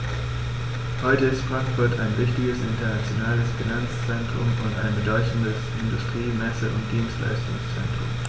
Heute ist Frankfurt ein wichtiges, internationales Finanzzentrum und ein bedeutendes Industrie-, Messe- und Dienstleistungszentrum.